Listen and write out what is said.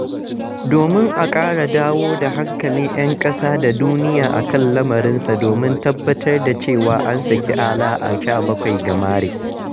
Domin a ƙara dawo da hankalin 'yan ƙasa da duniya a kan lamarinsa domin tabbatar da cewa an saki Alaa a 17 ga Maris.